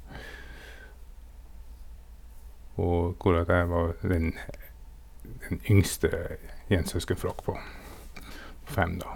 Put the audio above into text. Og hvorak jeg var den den yngste i en søskenflokk på fem, da.